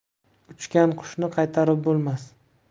uchgan qushni qaytarib bo'lmas